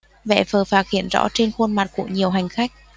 vẻ phờ phạc hiện rõ trên khuôn mặt của nhiều hành khách